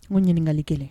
N ko ɲininkali kelen